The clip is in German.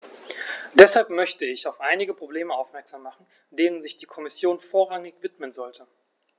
Deshalb möchte ich auf einige Probleme aufmerksam machen, denen sich die Kommission vorrangig widmen sollte.